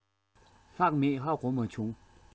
ལྷག མེད ཧ གོ མ བྱུང